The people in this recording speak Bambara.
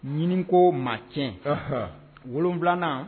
Ɲinin ko maa tiɲɛ wolo wolonwula